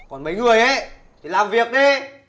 còn mấy người ế thì làm việc đi